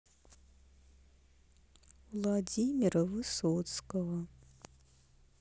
владимира высоцкого